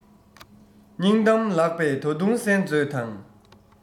སྙིང གཏམ ལགས པས ད དུང གསན མཛོད དང